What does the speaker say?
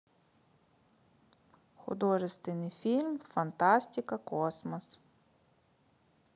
художественный фильм фантастика космос